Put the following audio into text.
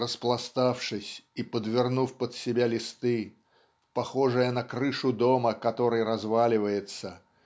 распластавшись и подвернув под себя листы похожая на крышу дома который разваливается